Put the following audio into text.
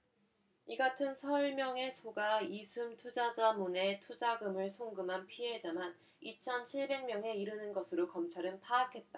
이 같은 설명에 속아 이숨투자자문에 투자금을 송금한 피해자만 이천 칠백 명이 이르는 것으로 검찰은 파악했다